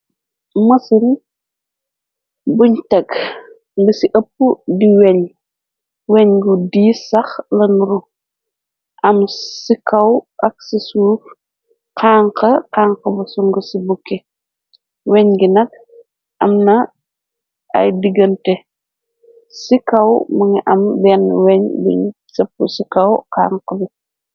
Masin buñ teg ngi ci ëpp di weñ weñ gu dii sax lanuru am ci kaw ak ci suuf xanx xanx bu sung ci bukke weñ gi nag am na ay digante ci kaw mu ngi am denn weñ buñ sepp ci kaw xanxa bi.